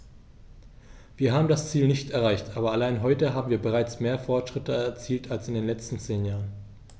Wir haben das Ziel nicht erreicht, aber allein heute haben wir bereits mehr Fortschritte erzielt als in den letzten zehn Jahren.